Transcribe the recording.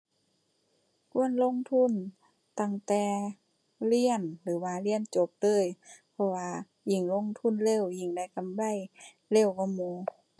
ควรลงทุนตั้งแต่เรียนหรือว่าเรียนจบเลย เพราะว่ายิ่งลงทุนเร็ว ยิ่งได้กำไรเร็วกว่าหมู่